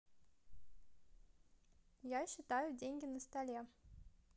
я считаю деньги на столе